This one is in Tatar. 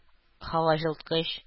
Һаваҗылыткыч